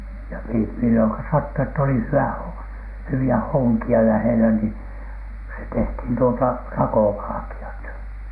ja milloin sattui että oli hyvä hyviä honkia lähellä niin se tehtiin tuota rakovalkeat